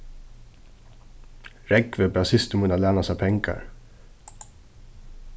rógvi bað systur mína læna sær pengar